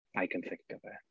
I can think of it.